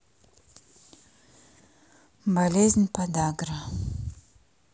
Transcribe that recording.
болезнь подагра